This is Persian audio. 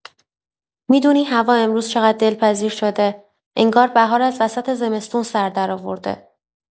می‌دونی امروز هوا چقدر دلپذیر شده، انگار بهار از وسط زمستون سر درآورده!